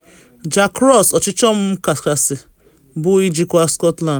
Jack Ross: ‘Ọchịchọ m kachasị bụ ijikwa Scotland’